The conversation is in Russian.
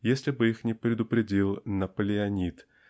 если бы их не предупредил Наполеонид